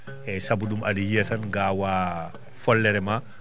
eeyi sabu ɗum aɗa yiya tan ngaawaa follere ma